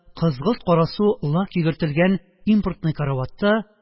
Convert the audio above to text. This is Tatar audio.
Кызгылт-карасу лак йөгертелгән импортный караватта